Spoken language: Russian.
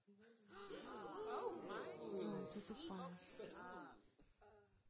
джон ты тупая